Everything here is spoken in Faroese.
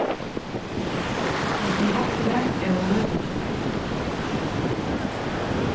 hesin hatturin er ov lítil hjá tær